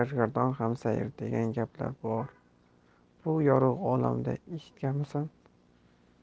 degan gaplar bor bu yorug' olamda eshitganmisan